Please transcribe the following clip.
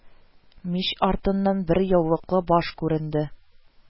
Мич артыннан бер яулыклы баш күренде